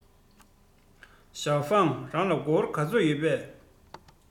ཞའོ ཧྥང རང ལ སྒོར ག ཚོད ཡོད པས